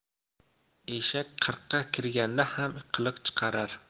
eshak qirqqa kirganda ham qiliq chiqarar